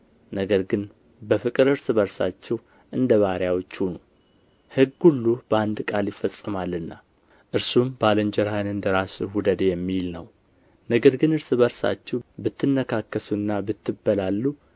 ነገር ግን በፍቅር እርስ በርሳችሁ እንደ ባሪያዎች ሁኑ ሕግ ሁሉ በአንድ ቃል ይፈጸማልና እርሱም ባልንጀራህን እንደ ራስህ ውደድ የሚል ነው ነገር ግን እርስ በርሳችሁ ብትነካከሱ ብትበላሉ